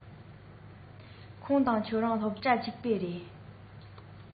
ཁོང དང ཁྱོད རང སློབ གྲྭ གཅིག རེད པས